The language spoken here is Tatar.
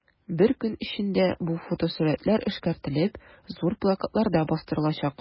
Бер көн эчендә бу фотосурәтләр эшкәртелеп, зур плакатларда бастырылачак.